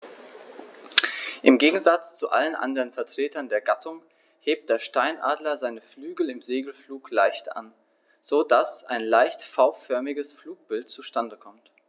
Im Gegensatz zu allen anderen Vertretern der Gattung hebt der Steinadler seine Flügel im Segelflug leicht an, so dass ein leicht V-förmiges Flugbild zustande kommt.